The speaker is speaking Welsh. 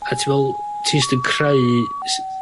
a ti me'wl ti jyst yn creu s-